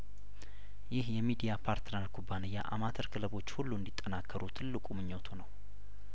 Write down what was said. ይህ የሚዲያፓርትነር ኩባንያ አማተር ክለቦች ሁሉ እንዲ ጠናከሩ ትልቁ ምኞቱ ነው